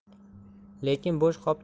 lekin bo'sh qop